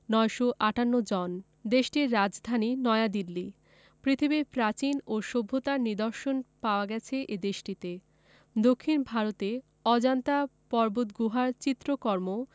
৯৫৮ জন দেশটির রাজধানী নয়াদিল্লী পৃথিবীর প্রাচীন ও সভ্যতার নিদর্শন পাওয়া গেছে এ দেশটিতে দক্ষিন ভারতে অজন্তা পর্বতগুহার চিত্রকর্ম